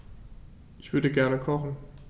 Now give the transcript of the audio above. Ich würde gerne kochen.